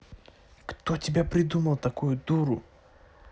кто тебя придумал такую дуру